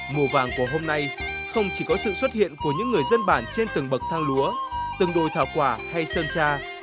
màu vàng của hôm nay không chỉ có sự xuất hiện của những người dân bản trên từng bậc thang lúa từng đồi thảo quả hay sơn tra